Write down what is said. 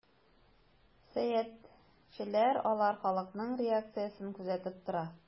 Сәясәтчеләр алар халыкның реакциясен күзәтеп тора.